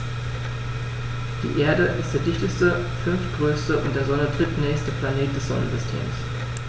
Die Erde ist der dichteste, fünftgrößte und der Sonne drittnächste Planet des Sonnensystems.